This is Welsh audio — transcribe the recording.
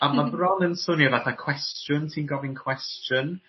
a ma' bron yn swnio fatha cwestiwn ti'n gofyn cwestiwn.